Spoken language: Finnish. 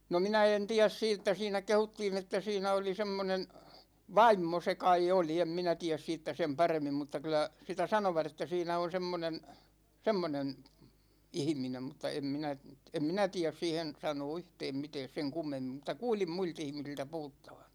no minä en tiedä siitä siinä kehuttiin että siinä oli semmoinen vaimo se kai oli en minä tiedä siitä sen paremmin mutta kyllä sitä sanoivat että siinä on semmoinen semmoinen ihminen mutta en minä en minä tiedä siihen sanoa yhtään mitään sen kummemmin mutta kuulin muilta ihmisiltä puhuttavan